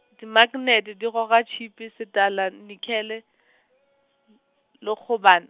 dimaknete di goga tshipi setala nikhele , le khobal-.